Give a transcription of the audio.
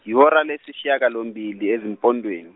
yihora lesishagalombili ezimpondweni.